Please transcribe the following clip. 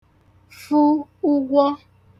fụ ụgwọ